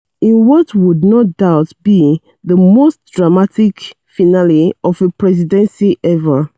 In what would no doubt be "The most dramatic finale of a presidency ever!"